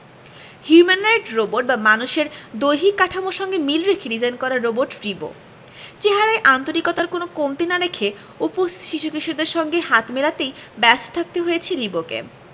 humanoid robot বা মানুষের দৈহিক গঠনের সঙ্গে মিল রেখে ডিজাইন করা রোবট রিবো চেহারায় আন্তরিকতার কোনো কমতি না রেখে উপস্থিত শিশু কিশোরদের সঙ্গে হাত মেলাতেই ব্যস্ত থাকতে হয়েছে রিবোকে